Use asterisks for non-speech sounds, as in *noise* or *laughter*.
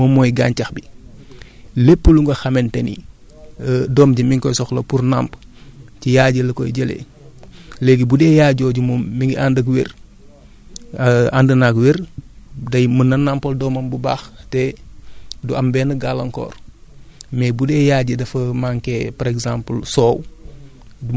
doom ji moom mooy gàncax bi lépp lu nga xamante ni *hesitation* doom ji mi ngi koy soxla pour nàmp ci yaay ji la koy jëlee léegi bu dee yaay jooju moom mi ngi ànd ak wér *hesitation* ànd naag wér day mën a nàmpal doomam bu baax te du am benn gàllankoor mais bu dee yaay ji dafa manqué par exemple soow